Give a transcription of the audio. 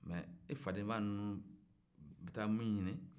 mɛ i fadenma nunun bɛ taa min ɲinin